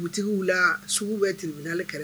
Dugutigiw la, sugu bɛ tribunal kɛr